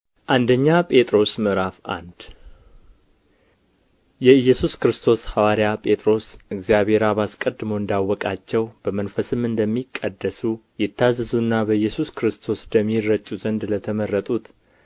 አንደኛ ጴጥሮስ ምዕራፍ አንድ የኢየሱስ ክርስቶስ ሐዋርያ ጴጥሮስ እግዚአብሔር አብ አስቀድሞ እንዳወቃቸው በመንፈስም እንደሚቀደሱ ይታዘዙና በኢየሱስ ክርስቶስ ደም ይረጩ ዘንድ ለተመረጡት